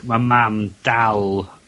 ...ma' man dal